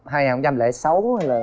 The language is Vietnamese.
hai ngàn không trăm lẻ sáu hay là